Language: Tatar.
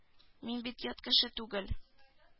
Мин бит ят кеше түгел